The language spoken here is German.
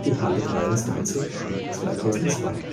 Halle 23, 2002